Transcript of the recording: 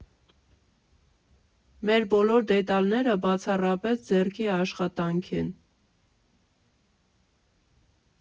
Մեր բոլոր դետալները բացառապես ձեռքի աշխատանք են։